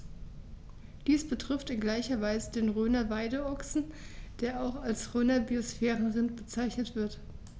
Dies betrifft in gleicher Weise den Rhöner Weideochsen, der auch als Rhöner Biosphärenrind bezeichnet wird.